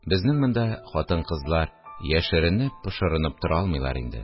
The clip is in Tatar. – безнең монда хатын-кызлар яшеренеп-пошырынып тора алмыйлар инде